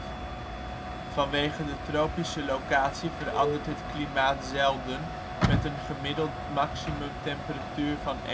Vanwege de tropische locatie verandert het klimaat zelden, met een gemiddelde maximum temperatuur van